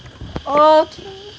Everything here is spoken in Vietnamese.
ơ